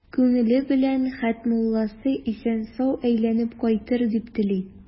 Күңеле белән Хәтмулласы исән-сау әйләнеп кайтыр дип тели.